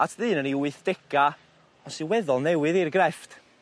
at ddyn yn 'i wythdega, a sy weddol newydd i'r grefft.